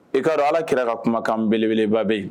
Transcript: I kaa ala kira ka kumakan beleba bɛ